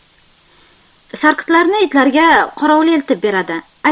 sarqitlarni itlarga qorovul eltib beradi